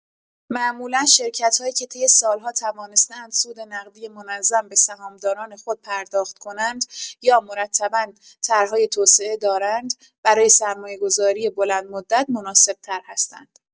معمولا شرکت‌هایی که طی سال‌ها توانسته‌اند سود نقدی منظم به سهام‌داران خودپرداخت کنند یا مرتبا طرح‌های توسعه دارند، برای سرمایه‌گذاری بلندمدت مناسب‌تر هستند.